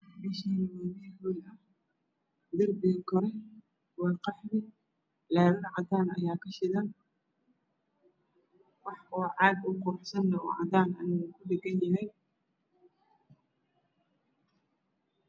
Meeshaan waa meel hool ah darbiga kore waa qaxwi leyrar cadaan ah ayaa kashidan wax caag ah oo quruxsana way kudhagan yihiin.